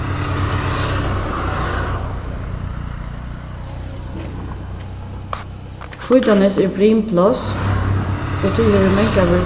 hvítanes er brimpláss og tí hevur mangan verið